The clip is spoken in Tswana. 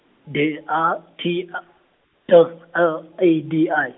D A T A D I.